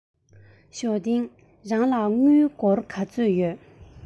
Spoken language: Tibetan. ཞའོ ཏིང རང ལ དངུལ སྒོར ག ཚོད ཡོད